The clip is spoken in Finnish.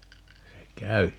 se kävi